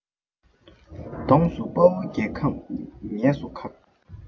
གདོང བསུ དཔའ བོ རྒྱལ ཁམས ཉེས སུ ཁག